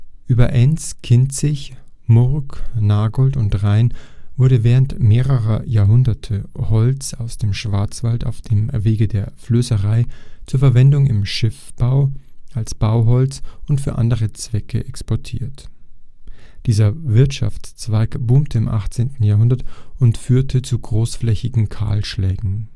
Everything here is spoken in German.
Über Enz, Kinzig, Murg, Nagold und Rhein wurde während mehrerer Jahrhunderte Holz aus dem Schwarzwald auf dem Wege der Flößerei zur Verwendung im Schiffbau, als Bauholz und für andere Zwecke exportiert. Dieser Wirtschaftszweig boomte im 18. Jahrhundert und führte zu großflächigen Kahlschlägen